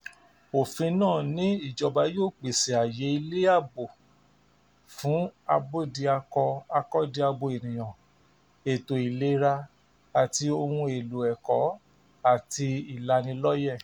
Òfin náà ní ìjọba yóò pèsè àyè ilé ààbò fún Abódiakọ-akọ́diabo ènìyàn, ètò ìlera àti ohun èlò ẹ̀kọ́ àti ilanilọ́yẹ.